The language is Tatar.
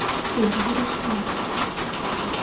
Сез бурычлы.